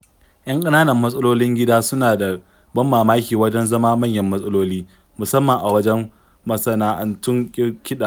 Yan ƙananan matsalolin gida suna da ban mamaki wajen zama manyan matsaloli - musamman a wajen masana'antun kiɗa.